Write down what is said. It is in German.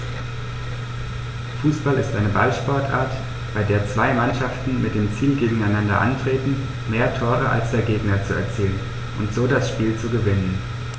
Fußball ist eine Ballsportart, bei der zwei Mannschaften mit dem Ziel gegeneinander antreten, mehr Tore als der Gegner zu erzielen und so das Spiel zu gewinnen.